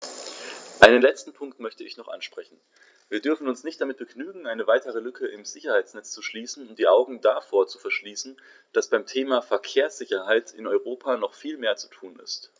Einen letzten Punkt möchte ich noch ansprechen: Wir dürfen uns nicht damit begnügen, eine weitere Lücke im Sicherheitsnetz zu schließen und die Augen davor zu verschließen, dass beim Thema Verkehrssicherheit in Europa noch viel mehr zu tun ist.